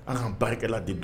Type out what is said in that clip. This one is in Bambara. Ala'an baarakɛla de ma